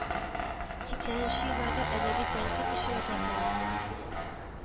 Сиксәненче елларда әдәби тәнкыйть эшенә тартыла